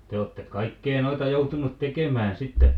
te olette kaikkea noita joutunut tekemään sitten